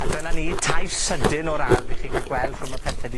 A dyna ni, taith sydyn o'r ardd i chi ca'l gweld shw' ma' pethe 'di